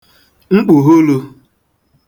mkpùghulū